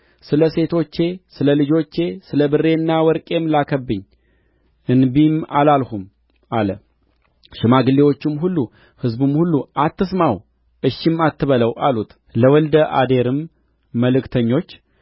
ስለ ሴቶቼ ስለ ልጆቼ ስለ ብሬና ወርቄም ላከብኝ እንቢም አላልሁም አለ ሽማግሌዎችም ሁሉ ሕዝቡም ሁሉ አትስማው እሺም አትበለው አሉት ለወልደ አዴርም መልእክተኞች